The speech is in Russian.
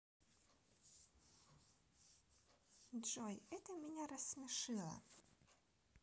джой это меня рассмешило